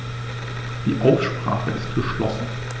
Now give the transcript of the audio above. Die Aussprache ist geschlossen.